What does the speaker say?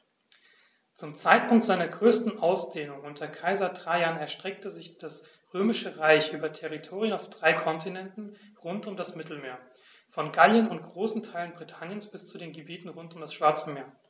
Zum Zeitpunkt seiner größten Ausdehnung unter Kaiser Trajan erstreckte sich das Römische Reich über Territorien auf drei Kontinenten rund um das Mittelmeer: Von Gallien und großen Teilen Britanniens bis zu den Gebieten rund um das Schwarze Meer.